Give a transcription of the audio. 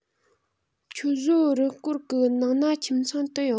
ཁྱོད བཟོའི རུ སྐོར གི ནང ན ཁྱིམ ཚང དུ ཡོད